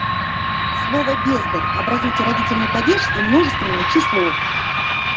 слово бездарь образуйте родительный падеж и множительное число